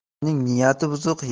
yomonning niyati buzuq